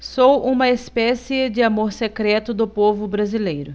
sou uma espécie de amor secreto do povo brasileiro